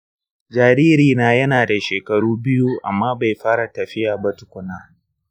jaririna yana da shekaru biyu amma bai fara tafiya ba tukuna